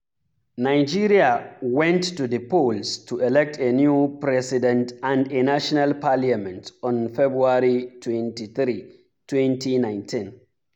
Nigeria went to the polls to elect a new president and a national parliament on February 23, 2019.